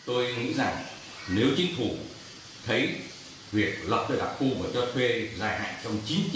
tôi nghĩ rằng nếu chính phủ thấy việc lọc cho đặc khu mà cho thuê dài ngày trong chín mươi